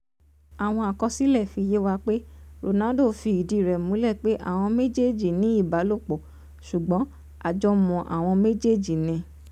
Àwọn àkọsílẹ̀ fi yé wa pé Ronaldo fi ìdí rẹ̀ múlẹ̀ pé àwọn méjèèjì ní ìbálòpọ̀, ṣùgbọ́n àjọ̀mọ̀àwọn méjèèjì ní.